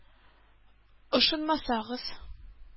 Ышанмасагыз